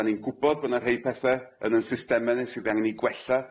'Dan ni'n gwbod bo 'na rhei pethe yn 'yn systeme ni sydd angen 'i gwella.